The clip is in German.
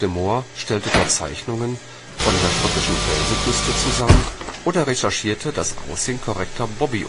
Moor stellte dort Zeichnungen von der schottischen Felsenküste zusammen oder recherchierte das Aussehen korrekter Bobby-Uniformen